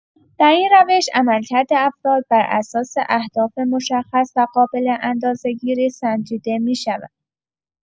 در این روش، عملکرد افراد بر اساس اهداف مشخص و قابل اندازه‌گیری سنجیده می‌شود.